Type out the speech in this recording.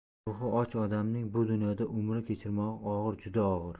ruhi och odamning bu dunyoda umr kechirmog'i og'ir juda og'ir